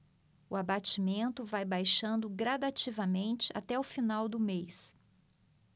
o abatimento vai baixando gradativamente até o final do mês